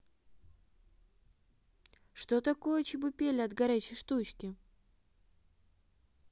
что такое чебупели от горячей штучки